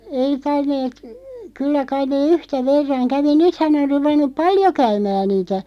ei tainneet kyllä kai ne yhtä verran kävi nythän ne on ruvennut paljon käymään niitä